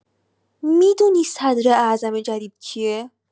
می‌دونی صدراعظم جدید کیه؟